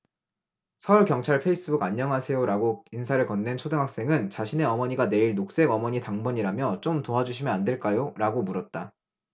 서울 경찰 페이스북안녕하세요라고 인사를 건넨 초등학생은 자신의 어머니가 내일 녹색 어머니 당번이라며 좀 도와주시면 안될까요라고 물었다